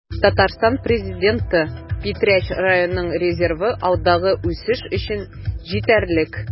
Татарстан Президенты: Питрәч районының резервы алдагы үсеш өчен җитәрлек